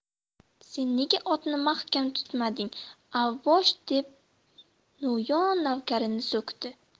sen nega otni mahkam tutmading avbosh deb no'yon navkarni so'kdi